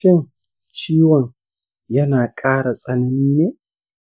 shin ciwon yana ƙara tsanani ne?